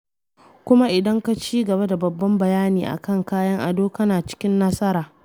Kuma idan ka ci gaba da babban bayani a kan kayan ado - kana cikin nasara.